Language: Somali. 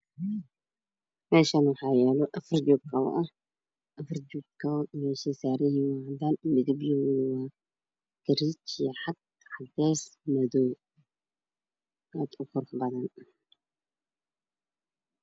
Meshaan waxaa yaalo afrjoog kapa ah meshiisaran yihiin aa cadaan midpapada kabaha waa girij iyo cad cadees iyo madow